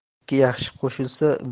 ikki yaxshi qo'shilsa